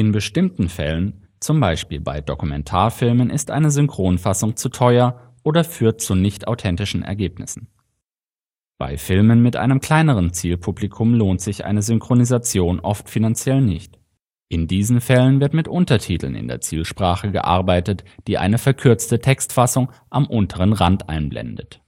bestimmten Fällen, zum Beispiel bei Dokumentarfilmen, ist eine Synchronfassung zu teuer oder führt zu nicht authentischen Ergebnissen. Bei Filmen mit einem kleineren Zielpublikum lohnt sich eine Synchronisation oft finanziell nicht. In diesen Fällen wird mit Untertiteln in der Zielsprache gearbeitet, die eine verkürzte Textfassung am unteren Rand einblendet